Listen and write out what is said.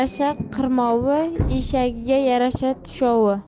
eshagiga yarasha tushovi